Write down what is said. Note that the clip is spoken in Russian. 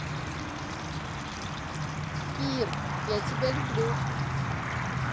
kirk я тебя люблю